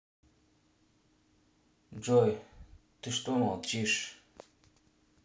джой ты что молчишь